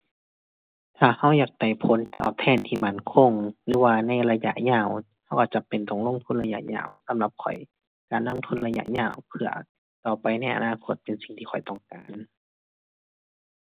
ถ้าเราอยากได้ผลตอบแทนที่มั่นคงหรือว่าในระยะยาว เราอาจจะเป็นต้องลงทุนระยะยาว สำหรับข้อยการลงทุนระยะยาวเพื่อต่อไปในอนาคตเป็นสิ่งที่ข้อยต้องการ